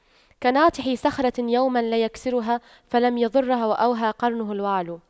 كناطح صخرة يوما ليكسرها فلم يضرها وأوهى قرنه الوعل